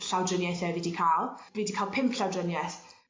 llawdriniaethe fi 'di ca'l fi 'di ca'l pump llawdrinieth